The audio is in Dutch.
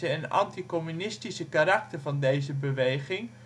en anticommunistische karakter van deze beweging